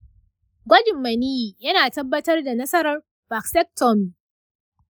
gwajin maniyyi yana tabbatar da nasarar vasectomy.